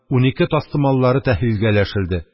Унике тастымаллары тәһлилгә өләшелде;